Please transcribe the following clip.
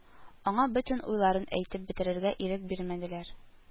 Аңа бөтен уйларын әйтеп бетерергә ирек бирмәделәр